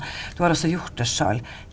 du har også gjort det sjøl.